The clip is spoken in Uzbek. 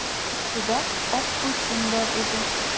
ustida oq po'stin bor edi